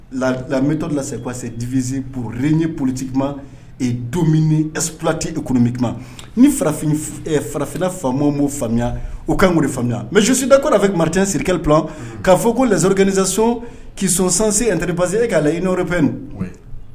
Mitɔ lasese dipzsipurlen ye politi kuma don epti e kunbe kuma ni farafinna fa'o faamuyaya o ka kanurre faamuyaya mɛsusida kɔnɔ fɛ marireti sirikɛlawti k'a fɔ ko lazouru kɛz son k'i sonsansen n pa e k'a la i n'o bɛ